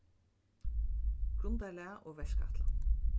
grundarlag og verkætlan